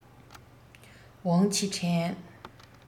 ཝང ཆི ཧྲན